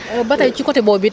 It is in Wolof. ba tey ci côté boobu it